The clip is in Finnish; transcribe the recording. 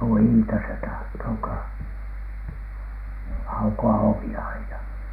tuo Iita se tahtoo - aukoa ovia aina